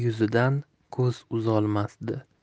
yuzidan ko'z uzolmasdi